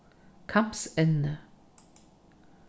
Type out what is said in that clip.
kambsenni